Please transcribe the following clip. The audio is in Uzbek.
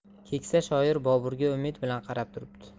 keksa shoir boburga umid bilan qarab turibdi